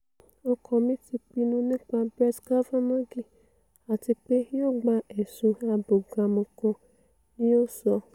'Ọkàn mi ti pinnu nípa Brett Kavanaugj àtipe yóò gba ẹ̀sùn abúgbàmu kan,'' ni o sọ.